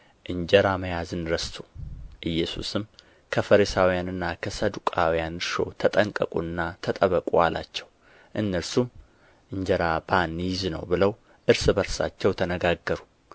እንጀራ መያዝን ረሱ ኢየሱስም ከፈሪሳውያንና ከሰዱቃውያን እርሾ ተጠንቀቁና ተጠበቁ አላቸው እነርሱም እንጀራ ባንይዝ ነው ብለው እርስ በርሳቸው ተነጋገሩ